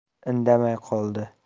indamay qoldi